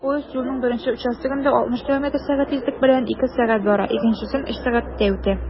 Поезд юлның беренче участогында 60 км/сәг тизлек белән 2 сәг. бара, икенчесен 3 сәгатьтә үтә.